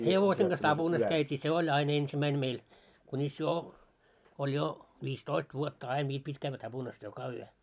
hevosen kanssa tapunassa käytiin se oli aina ensimmäinen meillä kunis jo oli jo viistoista vuotta aina vielä piti käydä tapunassa joka yö